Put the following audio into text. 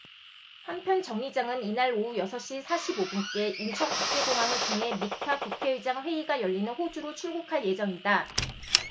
한편 정 의장은 이날 오후 여섯 시 사십 오 분께 인천국제공항을 통해 믹타 국회의장 회의가 열리는 호주로 출국할 예정이다